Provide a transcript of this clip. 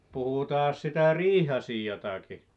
puhutaanpas sitä riihiasiaakin